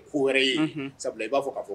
Ko wɛrɛ ye?unhun, sabula i b'a fɔ k'a fɔ